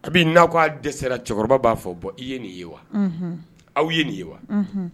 Kabini n aw'a dɛsɛse cɛkɔrɔba b'a fɔ bɔ i ye nin ye wa aw ye nin ye wa